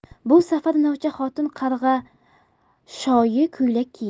bu safar novcha xotin qarg'ashoyi ko'ylak kiygan